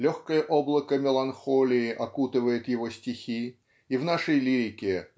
Легкое облако меланхолии окутывает его стихи и в нашей лирике